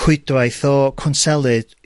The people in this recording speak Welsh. rhwydwaith o cwnselydd